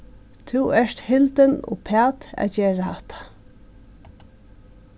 tú ert hildin uppat at gera hatta